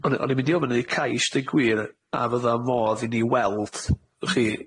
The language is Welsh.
O'n i- o'n i'n mynd i ofyn i neu' cais deu' gwir a fydda modd i ni weld, w'ch chi,